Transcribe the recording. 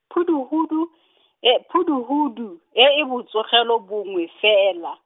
phuduhudu, e phuduhudu, e e botsogelo bongwe fela.